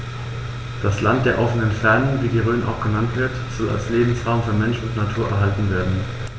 Das „Land der offenen Fernen“, wie die Rhön auch genannt wird, soll als Lebensraum für Mensch und Natur erhalten werden.